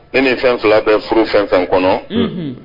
Ne ni fɛn fila bɛ furu fɛn fɛn kɔnɔ